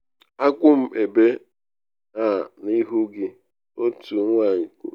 “Akwụ m ebe a n’ihu gị,” otu nwanyị kwuru.